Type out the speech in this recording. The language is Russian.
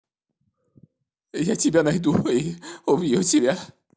я тебя найду и убью тебя